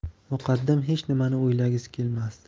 muqaddam hech nimani o'ylagisi kelmasdi